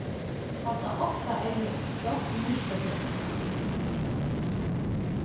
kasta átta eygu uppá stokk við myrkagrønum